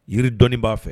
Yiri dɔni b'a fɛ